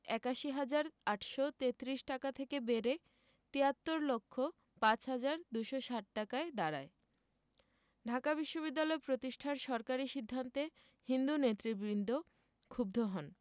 ৮১ হাজার ৮৩৩ টাকা থেকে বেড়ে ৭৩ লক্ষ ৫ হাজার ২৬০ টাকায় দাঁড়ায় ঢাকা বিশ্ববিদ্যালয় প্রতিষ্ঠার সরকারি সিদ্ধান্তে হিন্দু নেতৃবৃন্দ ক্ষুব্ধ হন